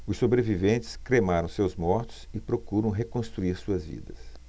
os sobreviventes cremaram seus mortos e procuram reconstruir suas vidas